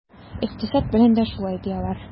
Икътисад белән дә шулай, ди алар.